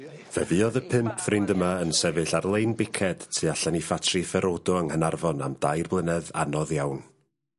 Fe fuodd y pump ffrind yma yn sefyll ar lein biced tu allan i ffatri Ferodo yng Nghanarfon am dair blynedd anodd iawn.